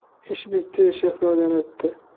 ish bitdi eshak loydan o'tdi